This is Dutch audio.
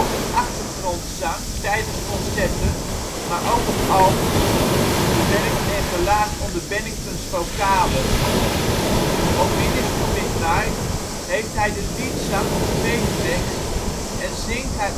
de achtergrondzang tijdens concerten, maar ook op albums (bewerkt en gelaagd onder Bennington 's vocalen). Op Minutes to Midnight heeft hij de leadzang op twee tracks en zingt hij